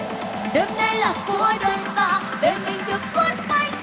đêm nay là của đôi ta để mình được vút bay